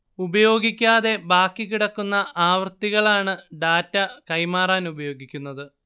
ഉപയോഗിക്കാതെ ബാക്കി കിടക്കുന്ന ആവൃത്തികളാണ് ഡാറ്റാ കൈമാറാൻ ഉപയോഗിക്കുന്നത്